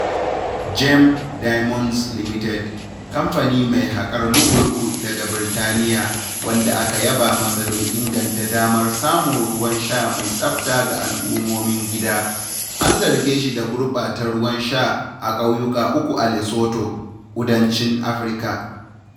Gem Diamonds Limited, kamfani mai hakar lu'ulu'u daga Birtaniya wanda aka yaba masa don inganta damar samun ruwan sha mai tsafta ga al’ummomin gida, an zarge shi da gurbata ruwan sha a ƙauyuka uku a Lesotho, kudancin Afirka.